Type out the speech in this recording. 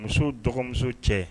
Musow dɔgɔmuso cɛ